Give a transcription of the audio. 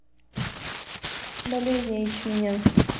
болезни ячменя